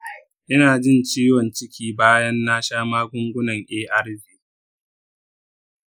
ina jin ciwon ciki bayan na sha magungunan arv.